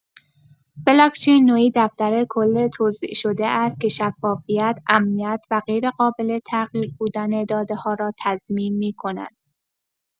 بلاک‌چین نوعی دفتر کل توزیع‌شده است که شفافیت، امنیت و غیرقابل‌تغییر بودن داده‌ها را تضمین می‌کند.